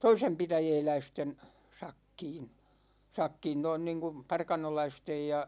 toisenpitäjäläisten sakkiin sakkiin noin niin kuin parkanolaisten ja